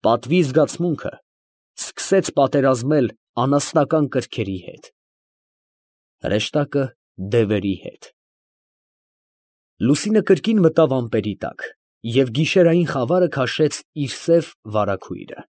Պատվի զգացմունքը սկսեց պատերազմել անասնական կրքերի հետ. հրեշտակը դևերի հետ… Լուսինը կրկին մտավ ամպերի տակ, և գիշերային խավարը քաշեց իր սև վարագույրը։